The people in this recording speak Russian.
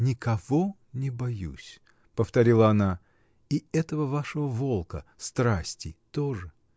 — Никого не боюсь, — повторила она, — и этого вашего волка — страсти, тоже!